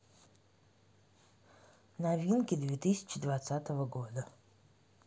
новинки две тысячи двадцатого года